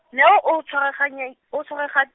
Neo o tshwaraganye, o tshwaraga-.